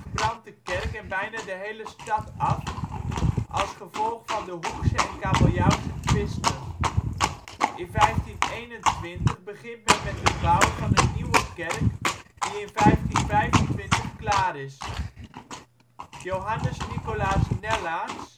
brandt de kerk en bijna de hele stad af, als gevolg van de Hoekse en Kabeljauwse twisten. In 1521 begint men met de bouw van een nieuwe kerk die in 1525 klaar is; Johannes Nicolaas Nellarts